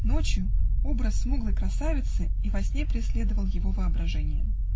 ночью образ смуглой красавицы и во сне преследовал его воображение.